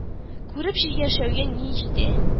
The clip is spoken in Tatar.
Күреп яшәүгә ни житә